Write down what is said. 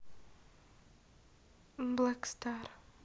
блэк стар